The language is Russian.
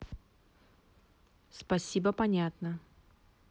спасибо понятно